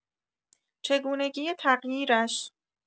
چگونگی تغییرش